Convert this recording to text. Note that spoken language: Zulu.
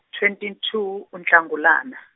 twenty two uNhlangulana.